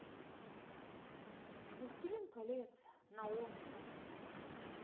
властелин колец на окко